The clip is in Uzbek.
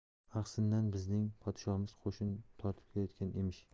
axsidan bizning podshomiz qo'shin tortib kelayotgan emish